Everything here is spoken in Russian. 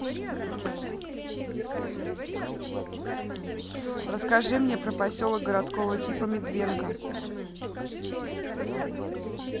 расскажи мне про поселок городского типа медвенка